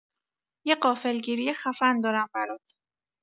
یه غافلگیری خفن دارم برات!